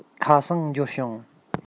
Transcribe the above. ཁ སང འབྱོར བྱུང